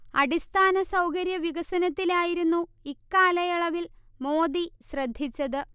അടിസ്ഥാന സൗകര്യ വികസനത്തിലായിരുന്നു ഇക്കാലയളവിൽ മോദി ശ്രദ്ധിച്ചത്